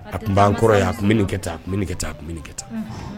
A tun b'an kɔrɔ yan a kun bɛ nin kɛ taa kun bɛ nin kɛ taa kun bɛ nin kɛ taa